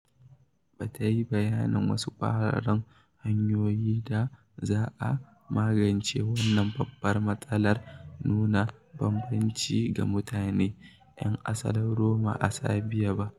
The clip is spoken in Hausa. Ba ta yi bayanin wasu ƙwararan hanyoyin da za a magance wannan babbar matsalar nuna bambanci ga mutane 'yan asalin Roma a Serbiya ba.